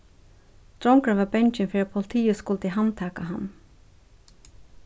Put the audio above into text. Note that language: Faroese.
drongurin var bangin fyri at politiið skuldi handtaka hann